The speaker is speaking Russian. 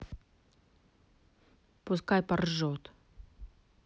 пускай порежет